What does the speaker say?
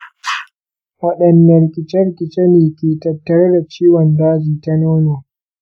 wadanne rikice-rikice ne ke tattare da ciwon daji ta nono?